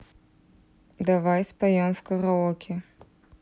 давай споем в караоке